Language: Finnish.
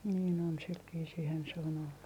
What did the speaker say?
niin on sillä viisiinhän se on ollut